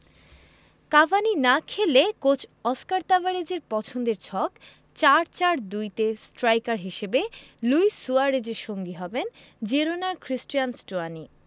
Cavani না খেললে coach Oscar তাবারেজের পছন্দের ছক ৪ ৪ ২ তে স্ট্রাইকার হিসেবে লুই সুয়ারেজের সঙ্গী হবেন জিরোনার ক্রিস্টিয়ান স্টুয়ানি